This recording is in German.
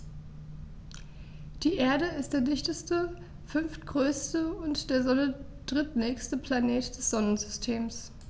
Die Erde ist der dichteste, fünftgrößte und der Sonne drittnächste Planet des Sonnensystems.